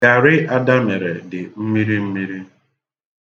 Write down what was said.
Garị Ada mere dị mmiri mmiri.